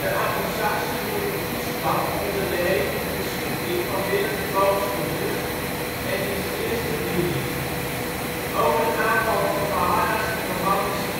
Angelsaksen hielden goed stand onder de hevige beschieting van Willems boogschutters in diens eerste linie. Ook een aanval van de geharnaste Normandische infanterie, de